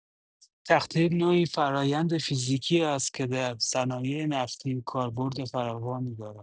تقطیر نوعی فرآیند فیزیکی است که در صنایع نفتی کاربرد فراوانی دارد.